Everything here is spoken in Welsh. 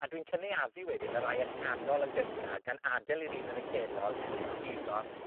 a dwi'n cynaeafu wedyn y rai allanol yn gynta, gan adel i'r un yn y cenol i chwyddo